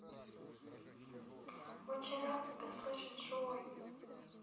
очень рад тебя слышать джой